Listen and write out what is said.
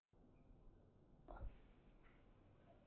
མཐོ སྒང གི ཡུལ མཆོག